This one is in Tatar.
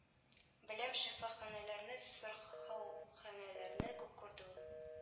Беләм шифаханәләрне сырхауханәләрне күп күрде ул